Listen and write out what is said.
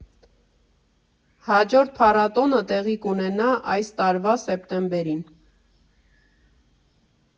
Հաջորդ փառատոնը տեղի կունենա այս տարվա սեպտեմբերին։